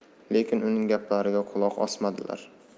lekin uning gaplariga quloq osmadilar